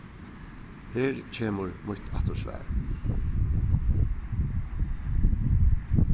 her kemur mítt aftursvar